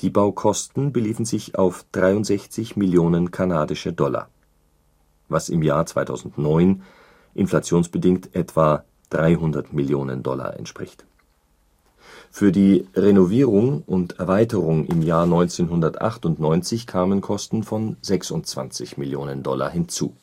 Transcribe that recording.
Baukosten beliefen sich auf 63 Millionen Kanadische Dollar, was im Jahr 2009 inflationsbedingt etwa 300 Millionen Dollar entspricht. Für die Renovierung und Erweiterung im Jahr 1998 kamen Kosten von 26 Millionen Dollar hinzu